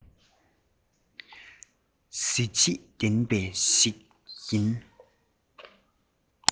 གཟི བརྗིད ལྡན པ ཞིག ཡིན